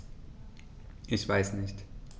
Ich weiß nicht.